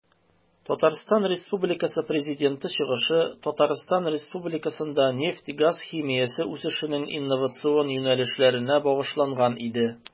ТР Президенты чыгышы Татарстан Республикасында нефть-газ химиясе үсешенең инновацион юнәлешләренә багышланган иде.